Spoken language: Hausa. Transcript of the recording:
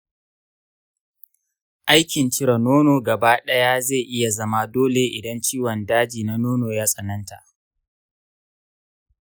aikin cire nono gaba daya zai iya zama dole idan ciwon daji na nono ya tsananta.